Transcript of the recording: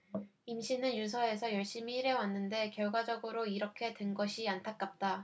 임씨는 유서에서 열심히 일해왔는데 결과적으로 이렇게 된 것이 안타깝다